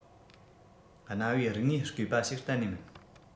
གནའ བོའི རིག དངོས རྐུས བ ཞིག གཏན ནས མིན